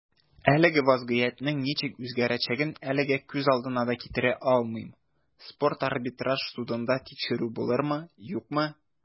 Әлеге вәзгыятьнең ничек үзгәрәчәген әлегә күз алдына да китерә алмыйм - спорт арбитраж судында тикшерү булырмы, юкмы.